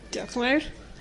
Diolch Meir.